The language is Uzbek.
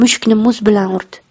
mushukni muz bilan urdi